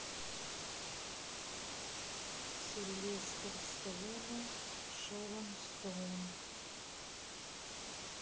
сильвестр сталлоне шерон стоун